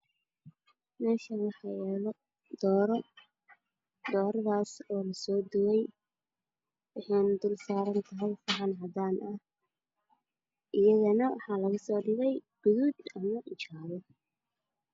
Meshaan waxaa yaalo dooro dooradas oo la soo dubay waxeyna dul saaran tahay saxan cadaan ah